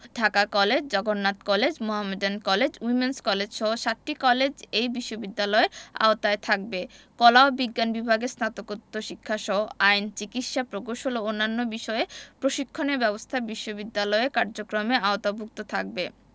Dhaka college Jagannath college Mohammedan college women's কলেজসহ সাতটি college এ বিশ্ববিদ্যালয়ের আওতায় থাকবে কলা ও বিজ্ঞান বিভাগে স্নাতকোত্তর শিক্ষাসহ আইন চিকিৎসা প্রকৌশল ও অন্যান্য বিষয়ে প্রশিক্ষণে ব্যবস্থা বিশ্ববিদ্যালয়ের কার্যক্রমে আওতাভুক্ত থাকবে